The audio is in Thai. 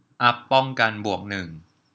อัพป้องกันบวกหนึ่ง